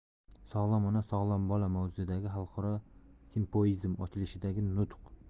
sog'lom ona sog'lom bola mavzuidagi xalqaro simpozium ochilishidagi nutq